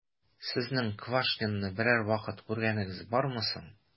Сезнең Квашнинны берәр вакыт күргәнегез бармы соң?